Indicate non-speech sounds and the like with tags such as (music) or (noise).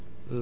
(hesitation) (hesitation)